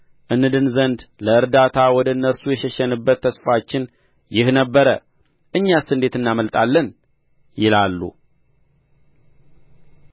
እንድን ዘንድ ለእርዳታ ወደ እነርሱ የሸሸንበት ተስፋችን ይህ ነበረ እኛስ እንዴት እናመልጣለን ይላሉ